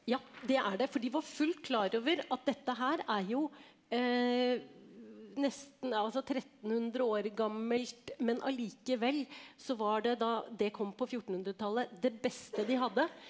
ja det er det fordi de var fullt klar over at dette her er jo nesten altså 1300 år gammelt men allikevel så var det da det kom på fjortenhundretallet det beste de hadde.